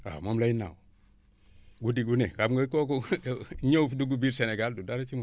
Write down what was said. waaw moom lay naaw guddi gu ne xam nga kooku ñëw dugg biir Sénégal du dara ci moom